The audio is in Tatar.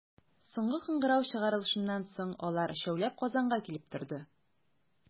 Соңгы кыңгырау чыгарылышыннан соң, алар, өчәүләп, Казанга килеп торды.